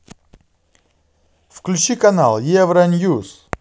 включи канал евроньюс